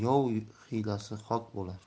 yov hiylasi xok bo'lar